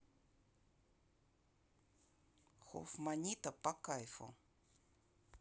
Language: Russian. hofmannita по кайфу